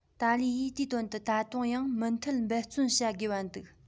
ཏཱ ལའི ཡིས དེའི དོན དུ ད དུང ཡང མུ མཐུད འབད བརྩོན བྱ དགོས འདུག